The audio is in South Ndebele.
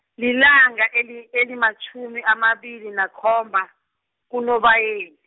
lilanga eli elimatjhumi amabili nakhomba, kuNobayeni.